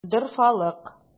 Дорфалык!